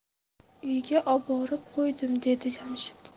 uyiga oborib qo'ydim dedi jamshid